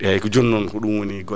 eyyi ko jonnon ko ɗum gol